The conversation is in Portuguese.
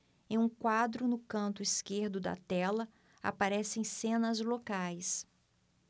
em um quadro no canto esquerdo da tela aparecem cenas locais